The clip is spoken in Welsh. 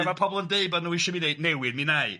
Pan ma' pobl yn deud bod nhw isio mi neu- newid, mi 'nai.